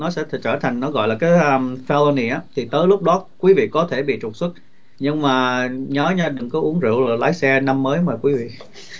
nó sẽ trở trở thành nó gọi là cái pha lô nẻ thì tới lúc đó quý vị có thể bị trục xuất nhưng mà nhớ nha đừng có uống rượu rồi lái xe năm mới mời quý vị